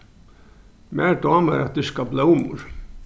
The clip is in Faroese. mær dámar at dyrka blómur